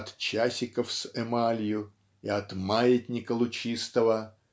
От "часиков с эмалью" и от "маятника лучистого"